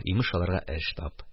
Имеш, аларга эш тап